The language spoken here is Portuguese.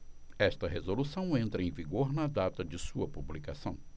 esta resolução entra em vigor na data de sua publicação